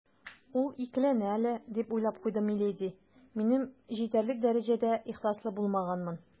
«ул икеләнә әле, - дип уйлап куйды миледи, - минем җитәрлек дәрәҗәдә ихласлы булмаганмын».